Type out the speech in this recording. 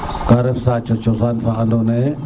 a ref sate cosaan fa ando na ye